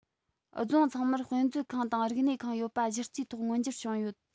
རྫོང ཚང མར དཔེ མཛོད ཁང དང རིག གནས ཁང ཡོད པ གཞི རྩའི ཐོག མངོན འགྱུར བྱུང ཡོད